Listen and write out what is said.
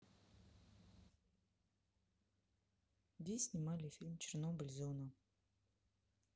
где снимали фильм чернобыль зона